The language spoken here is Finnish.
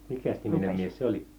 minkäs niminen mies se oli